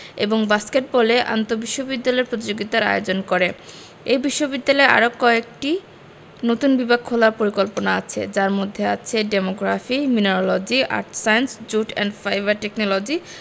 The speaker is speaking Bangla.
এবং বাস্কেটবলে আন্তঃবিশ্ববিদ্যালয় প্রতিযোগিতার আয়োজন করে এই বিশ্ববিদ্যালয়ের আরও কয়েকটি নতুন বিভাগ খোলার পরিকল্পনা আছে যার মধ্যে আছে demography mineralogy earth science jute and fibre technology